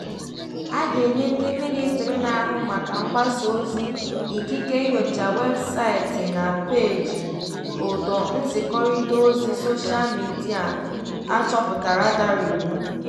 A ga-enye ndị Minịstrị na-ahụ maka mgbasaozi ikike inyocha weebụsaịtị na peeji ụdọ nzikọrịtaozi soshial media a chọpụtara dara iwu.